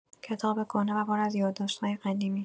کتاب کهنه و پر از یادداشت‌های قدیمی